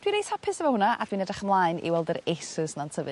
Dwi reit hapus efo hwnna a dwi'n edrach ymlaen i weld yr acers yna'n tyfu.